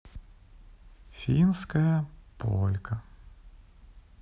финская полька